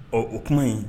Ɔ o kuma in